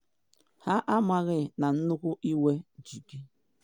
“Ha amaghị na nnukwu iwe ji gị.